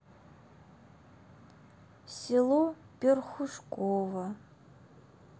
село перхушково